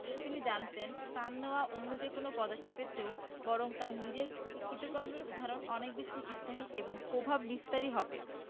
তিনি জানতেন তাঁর নেওয়া অন্য যেকোনো পদক্ষেপের চেয়ে বরং তাঁর নিজের কৃতকর্মের উদাহরণ অনেক বেশি স্থায়ী এবং প্রভাববিস্তারী হবে